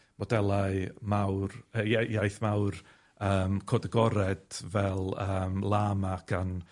modelau mawr yy ie- iaith mawr yym cod agored fel yym Llama gan